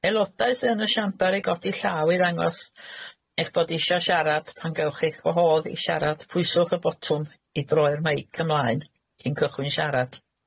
Aelodau sy yn y siambr i godi llaw i ddangos eich bod isio siarad pan gewch eich gwahodd i siarad pwyswch y botwm i droi'r meic ymlaen, cyn cychwyn siarad.